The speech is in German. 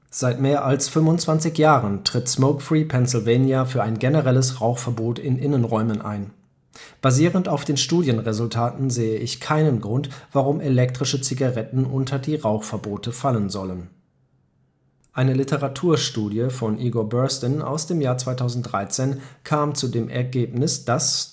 Seit mehr als 25 Jahren tritt Smokefree Pennsylvania für ein generelles Rauchverbot in Innenräumen ein. Basierend auf den Studienresultaten, sehe ich keinen Grund, warum elektrische Zigaretten unter die Rauchverbote fallen sollen. “Eine Literaturstudie von Igor Burstyn aus dem Jahr 2013 kam zu dem Ergebnis, dass